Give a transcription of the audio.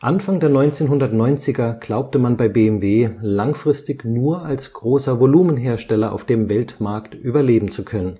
Anfang der 1990er Jahre glaubte man bei BMW, langfristig nur als großer Volumenhersteller auf dem Weltmarkt überleben zu können.